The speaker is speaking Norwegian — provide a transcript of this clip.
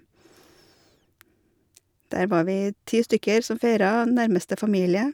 Der var vi ti stykker som feira, nærmeste familie.